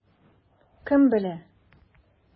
Кем белә?